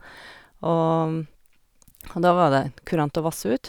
og Og da var det kurant å vasse ut.